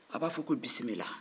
a b'a fɔ ko bisimila